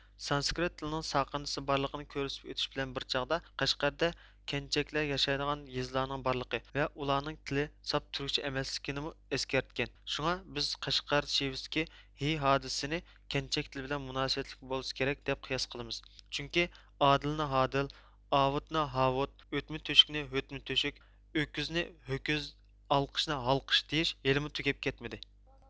سانسىكرىت تىلىنىڭ ساقىندىسى بارلىقىنى كۆرسىتىپ ئۆتۈش بىلەن بىر چاغدا كاشغەردە كەنچەكلەر ياشايدىغان يېزىلارنىڭ بارلىقى ۋە ئۇلارنىڭ تىلى ساپ تۈركچە ئەمەسلىكىنىمۇ ئەسكەرتكەن شۇڭا بىز كاشغەر شىۋىسىدىكى ھې ھادىسىسىنى كەنچەك تىلى بىلەن مۇناسىۋەتلىك بولساكېرەك دەپ قىياس قىلىمىز چۈنكى ئادىلنى ھادىل ئاۋۇتنى ھاۋۇت ئۆتمە تۆشۈكنى ھۆتمە تۆشۈك ئۆكۈزنى ھۆكۈز ئالقىشنى ھالقىش دېيىش ھېلىمۇ تۈگەپ كەتمىدى